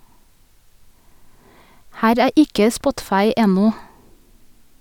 Her er ikke Spotify ennå.